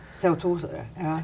CO2 ja.